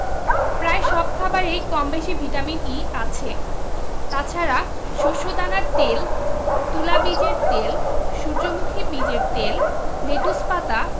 প্রায় সব খাবারেই কমবেশি ভিটামিন E আছে তাছাড়া শস্যদানার তেল তুলা বীজের তেল সূর্যমুখী বীজের তেল লেটুস পাতা